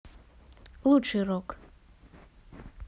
лучший рок